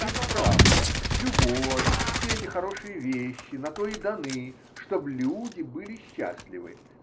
-- Ведь правда, любовь, все эти хорошие вещи на то и даны, чтоб люди были счастливы